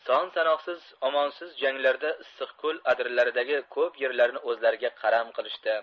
son sanoqsiz omonsiz janglarda issiqko'l adirlaridagi ko'p yerlarni o'zlariga qaram qilishdi